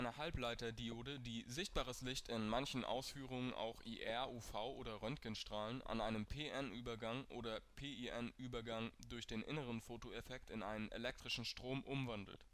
Halbleiter-Diode, die sichtbares Licht – in manchen Ausführungen auch IR -, UV - oder Röntgenstrahlen – an einem p-n-Übergang oder pin-Übergang durch den inneren Photoeffekt in einen elektrischen Strom umwandelt